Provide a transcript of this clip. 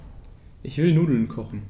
Ich will Nudeln kochen.